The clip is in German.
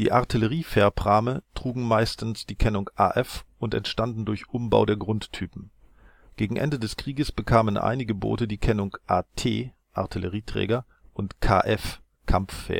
Artilleriefährprahme trugen meistens die Kennung AF und entstanden durch Umbau der Grundtypen. Gegen Ende des Krieges bekamen einige Boote die Kennungen AT (Artillerieträger) und KF (Kampffähre